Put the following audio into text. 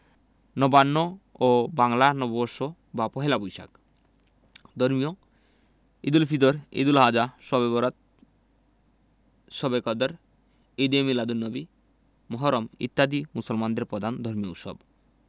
নবান্ন ও বাংলা নববর্ষ বা পহেলা বৈশাখ ধর্মীয় ঈদুল ফিত্ র ঈদুল আযহা শবে বরআত শবে কদর ঈদে মীলাদুননবী মুহররম ইত্যাদি মুসলমানদের প্রধান ধর্মীয় উৎসব